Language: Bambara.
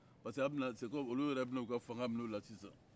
parce que sɛ kɔmi olu yɛrɛ bɛ n'u ka fanga minɛ u la sisan